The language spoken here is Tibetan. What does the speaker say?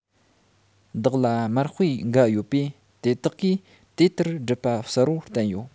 བདག ལ དམར དཔེ འགའ ཡོད པས དེ དག གིས དེ ལྟར སྒྲུབ པ གསལ པོར བསྟན ཡོད